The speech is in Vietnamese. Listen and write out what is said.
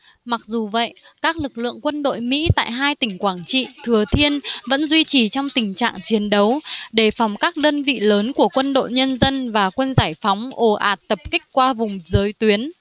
mặc dù vậy các lực lượng quân đội mỹ tại hai tỉnh quảng trị thừa thiên vẫn duy trì trong tình trạng chiến đấu đề phòng các đơn vị lớn của quân đội nhân dân và quân giải phóng ồ ạt tập kích qua vùng giới tuyến